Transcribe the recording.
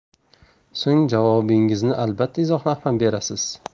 so'ng javobingizni albatta izohlab ham berasiz